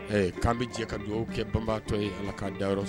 Ɛɛ k'an bɛ jɛ ka dugawu kɛ banbatɔ ye ala k'an dayɔrɔ sɔrɔ